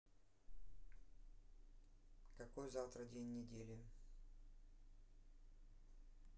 какой завтра день недели